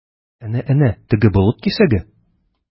Әнә-әнә, теге болыт кисәге?